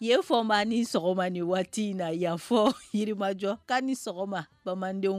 Ye Fɔnba ni sɔgɔma ni waati in na yan fɔɔ Yirilimajɔ k'a ni sɔgɔma bamaandenw